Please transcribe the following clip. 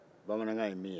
bamanankan ye min ye